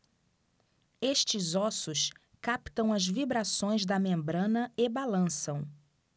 estes ossos captam as vibrações da membrana e balançam